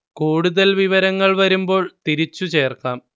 കൂടുതൽ വിവരങ്ങൾ വരുമ്പോൾ തിരിച്ചു ചേർക്കാം